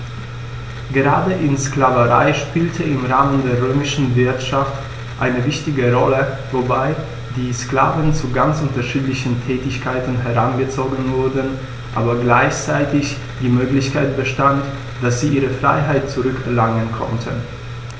Gerade die Sklaverei spielte im Rahmen der römischen Wirtschaft eine wichtige Rolle, wobei die Sklaven zu ganz unterschiedlichen Tätigkeiten herangezogen wurden, aber gleichzeitig die Möglichkeit bestand, dass sie ihre Freiheit zurück erlangen konnten.